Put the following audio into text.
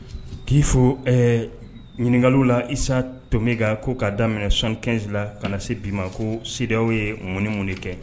K'i fɔ ɛɛ ɲininkaka la isa to min kan ko k ka daminɛ sɔn kɛnsi la ka se bi ma ko sidaw ye mɔni mun de kɛ